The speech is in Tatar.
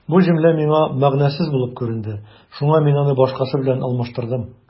Бу җөмлә миңа мәгънәсез булып күренде, шуңа мин аны башкасы белән алмаштырдым.